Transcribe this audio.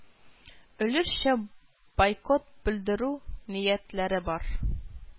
Олешчә бойкот белдерү ниятләре бар